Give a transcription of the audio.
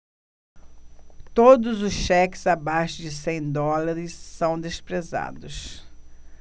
todos os cheques abaixo de cem dólares são desprezados